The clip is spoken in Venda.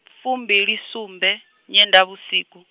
fumbilisumbe , nyendavhusiku.